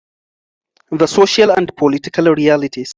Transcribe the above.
The Social and Political Realities